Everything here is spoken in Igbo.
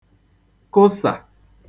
kụsa